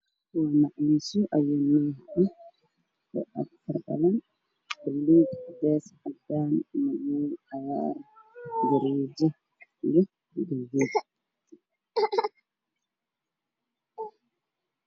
Waamacariiso meel suran waa buluug cadaan madow